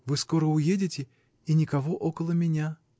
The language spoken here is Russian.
Вы скоро уедете — и никого около меня!.